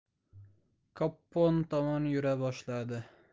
koppon tomon yura boshladi